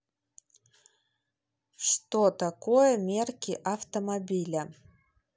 что такое марки автомобиля